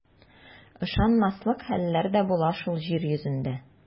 Ышанмаслык хәлләр дә була шул җир йөзендә.